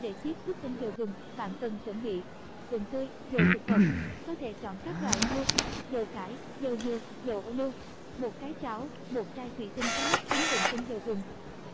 để chiết xuất tinh dầu gừng bạn cần chuẩn bị gừng tươi dầu thực vật cái chảo chai thuỷ tinh có nắp kín đựng tinh dầu gừng